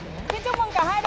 xin chúc mừng cả hai